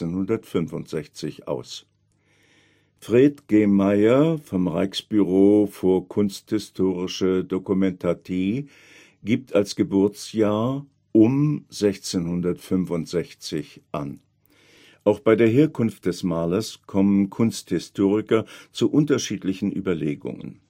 1665 aus. Fred G. Meijer vom Rijksbureau voor Kunsthistorische Documentatie gibt als Geburtsjahr „ um 1665 “an. Auch bei der Herkunft des Malers kommen Kunsthistoriker zu unterschiedlichen Überlegungen